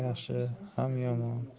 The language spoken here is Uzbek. yaxshi ham yomon